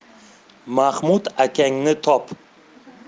mahmud akangni top